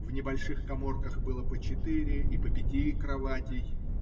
В небольших каморках было по четыре и по пяти кроватей